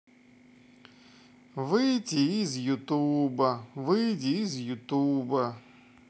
выйти из ютуба выйди из ютуба